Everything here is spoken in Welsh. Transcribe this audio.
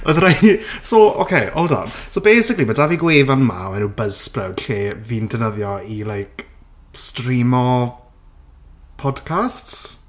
Oedd rhai- he-... So ocê hold on. So basically, ma' 'da fi gwefan 'ma o'r enw Buzzsprout, lle fi'n ddefnyddio i like streamo podcasts.